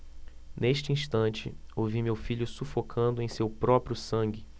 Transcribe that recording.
nesse instante ouvi meu filho sufocando em seu próprio sangue